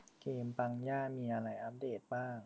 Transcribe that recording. เกมปังย่ามีอะไรอัปเดตบ้าง